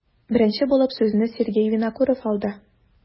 Беренче булып сүзне Сергей Винокуров алды.